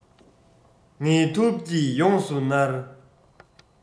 ངལ དུབ ཀྱིས ཡོངས སུ མནར